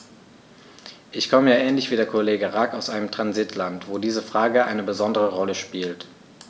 Ich komme ja ähnlich wie der Kollege Rack aus einem Transitland, wo diese Frage eine besondere Rolle spielt.